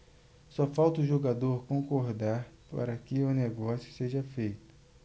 só falta o jogador concordar para que o negócio seja feito